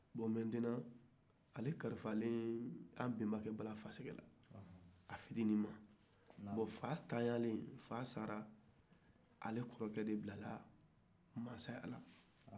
bon maintenant ale kalifalen an benbakɛ balafasegɛ la a fitinin ma bon fa taɲa len ale kɔrɔcɛ de bilala masaya la